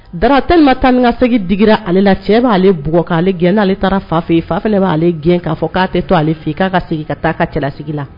Da teelima tan ni ka segin digira ale la cɛ b'ale bugkaale gɛn aleale taara fa fɛ fafɛ b'aale gɛn k'a fɔ k'a tɛ to ale fɛ k'a ka segin ka taa a ka cɛlasigi la